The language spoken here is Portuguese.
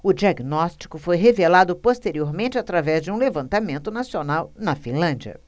o diagnóstico foi revelado posteriormente através de um levantamento nacional na finlândia